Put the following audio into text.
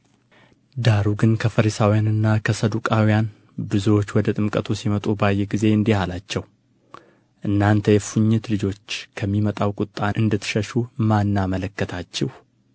ዳሩ ግን ከፈሪሳውያንና ከሰዱቃውያን ብዙዎች ወደ ጥምቀቱ ሲመጡ ባየ ጊዜ እንዲህ አላቸው እናንተ የእፉኝት ልጆች ከሚመጣው ቍጣ እንድትሸሹ ማን አመለከታችሁ